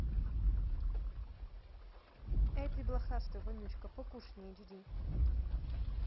эй ты блохастая вонючка покушать не hd